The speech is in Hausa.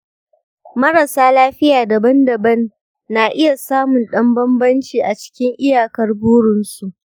marasa lafiya daban-daban na iya samun ɗan bambanci a cikin iyakar burinsu.